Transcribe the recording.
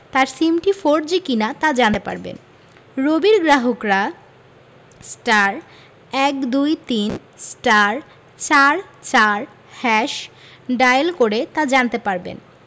তার সিমটি ফোরজি কিনা তা জানতে পারবেন রবির গ্রাহকরা *১২৩*৪৪# ডায়াল করে তা জানতে পারবেন